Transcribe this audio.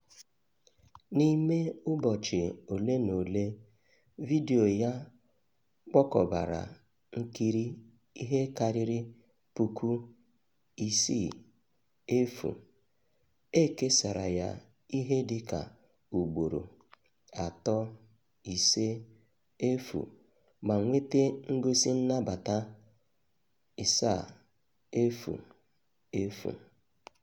N'ime ụbọchị ole na ole, vidiyo ya kpokọbara nkiri ihe karịrị puku 60, e kesara ya ihe dị ka ugboro 350 ma nweta ngosi nnabata 700.